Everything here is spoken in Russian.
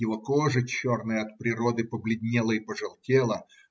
Его кожа, черная от природы, побледнела и пожелтела